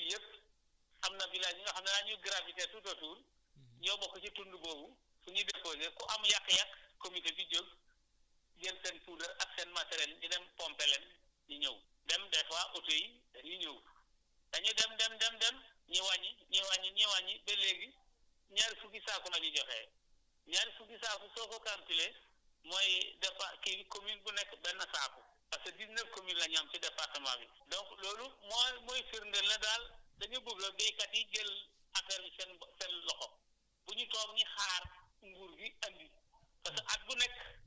léegi si tund yii yëpp am na villages yi nga xam ne dañu gravité tout au tour ñoo bokk si tund boobu fu ñuy déposer ku am yàq-yàq comité bi jóg jël seen puudar ak seen matériel ñu dem pompeel leen ñu ñëw même des fois oto yi dañuy ñëw dañu dem dem dem dem ñu wàññi ñu wàññi ñu wàññi ba léegi ñaar fukki saako la ñu joxe ñaar fukki saako soo ko calculer mooy des fois kii commune bu nekk benn saako parce que 19 communes la ñu am si département bi donc loolu mooy mooy firndéel ne daal dañu bëgg béykat yi jël affaire yi seen seen loxo bu ñu toog ñuy xaar nguur gi andi